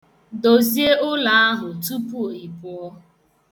Dozie ụlọ ahụ tupu ị pụọ.